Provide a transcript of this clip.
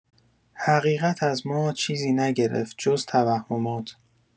حقیقت از ما چیزی نگرفت، جز توهمات.